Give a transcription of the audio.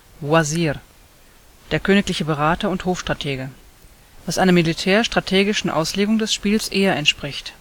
Vazir / وزير /‚ der königliche Berater und Hofstratege ‘), was einer militär-strategischen Auslegung des Spiels eher entspricht